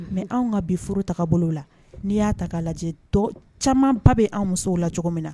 Mɛ anw ka bi furu ta bolo la n'i y'a ta lajɛ camanba bɛ an musow la cogo min na